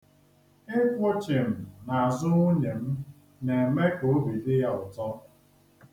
Ịkwụ chim n'azụ nwunye m na-eme ka obi dị ya ụtọ.